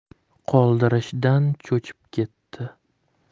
qoldirishdan cho'chib keti